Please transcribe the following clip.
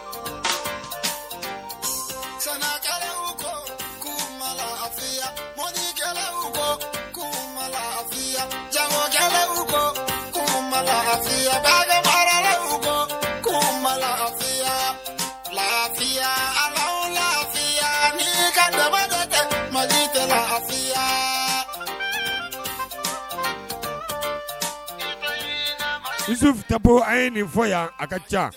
Sankɛ ko kunya mɔya ko kunmaya kabakumalaku ko kunmayafilayalaya ja madilayan dusu tɛbo a ye nin fɔ yan a ka ca